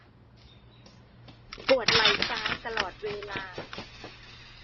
ปวดไหล่ซ้ายตลอดเวลา